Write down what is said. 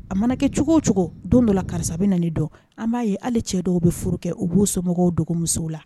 A mana kɛcogo cogo don dɔ la karisa bɛ na dɔn an b'a ye ale cɛ dɔw bɛ furu kɛ u b'u somɔgɔw dɔgɔmusow la